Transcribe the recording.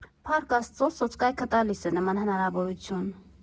Փառք Աստծո, սոցկայքը տալիս է նման հնարավորություն։